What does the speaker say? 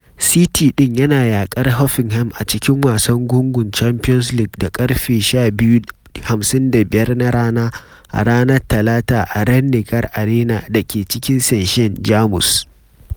City ɗin yana yakar Hoffenheim a cikin wasan gungun Champions League da ƙarfe 12:55 na rana a ranar Talata at Rhein-Neckar-Arena da ke cikin Sinsheim, Jamus.